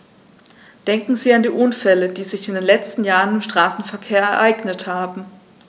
Denken Sie an die Unfälle, die sich in den letzten Jahren im Straßenverkehr ereignet haben.